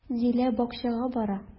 Зилә бакчага бара.